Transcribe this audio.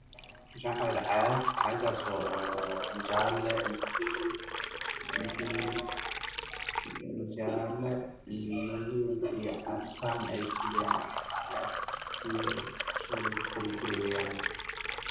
Meeshaan waxaa yaalo ahayd midabkoodu yahay jaallo oo is dulsar saaran waana caagag la gadaayo oo guduud ah